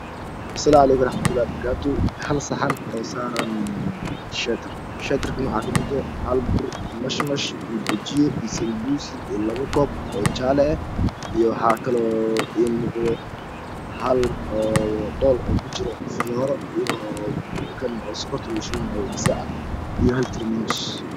Salamucaleyku waraxmatulahay halsaxan saran shetar shetarkana waxakamid ah habur mash mash iyo bajiye sanbus iyo Labkob jale eh iyo waxakale imuqodo hal dhol kujira fiyoro iyo Kan lagushubanayay gasaca iyo hatarmus